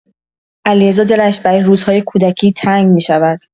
علیرضا دلش برای روزهای کودکی تنگ می‌شود.